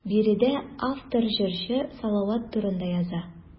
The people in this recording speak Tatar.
Биредә автор җырчы Салават турында яза.